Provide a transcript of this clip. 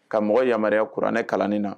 Ka mɔgɔ yamaruya kuranɛ kalanni na